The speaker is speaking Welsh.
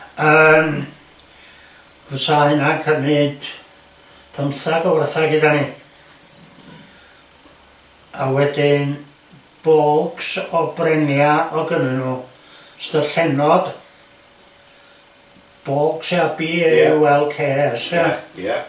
Yym fysa hunna'n cymyd pymthag o warthaig idda ni a wedyn baulks o brenia o gynno n'w baulks ia ia bee ay you el kay ess ia... Ia